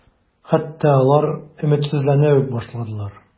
Хәтта алар өметсезләнә үк башладылар.